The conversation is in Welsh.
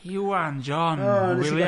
Iwan John Williams.